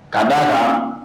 Ka da a la